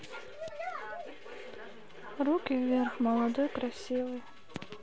руки вверх молодой красивый